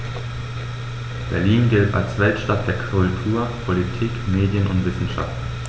Berlin gilt als Weltstadt der Kultur, Politik, Medien und Wissenschaften.